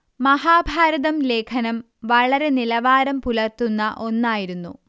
മഹാഭാരതം ലേഖനം വളരെ നിലവാരം പുലര്ത്തുന്ന ഒന്നായിരുന്നു